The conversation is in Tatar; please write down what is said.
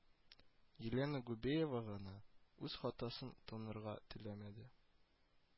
Елена Губеева гына үз хатасын танырга теләмәде